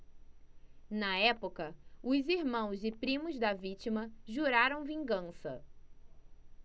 na época os irmãos e primos da vítima juraram vingança